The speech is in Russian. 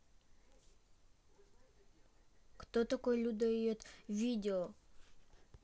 кто такой людоед видео